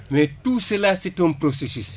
mais tout celà c' est un processus